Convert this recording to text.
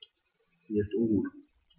Mir ist ungut.